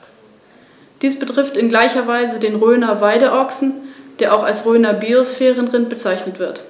Das Rechtswesen im antiken Rom beinhaltete elementare zivil- und strafrechtliche Verfahrensvorschriften in der Rechtsordnung, die vom Grundsatz her in die modernen Rechtsnormen eingeflossen sind.